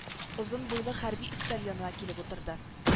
Озын буйлы хәрби өстәл янына килеп утырды